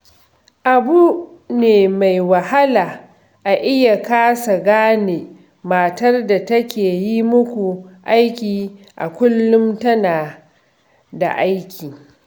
Abu ne mai wahala a iya kasa gane matar da take yi muku aiki a kullum tana da ciki.